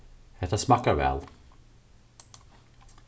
hetta smakkar væl